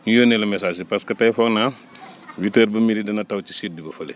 ñu yónnee la messages yi parce que tey foog naa huit heures ba midi dibna taw ci sud ba fële